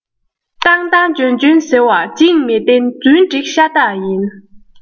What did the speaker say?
བཏང བཏང འཇོན འཇོན ཟེར བ བྱིངས མི བདེན རྫུན སྒྲིག ཤ སྟག ཡིན